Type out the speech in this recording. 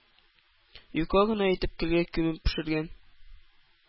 Юка гына итеп көлгә күмеп пешергән